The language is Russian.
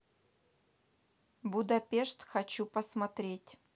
будапешт хочу посмотреть